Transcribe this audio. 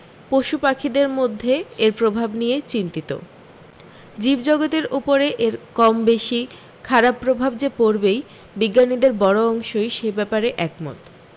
পশুপাখিদের মধ্যে এর প্রভাব নিয়ে চিন্তিত জীবজগতের উপরে এর কম বেশী খারাপ প্রভাব যে পড়বেই বিজ্ঞানীদের বড় অংশই সে ব্যাপারে একমত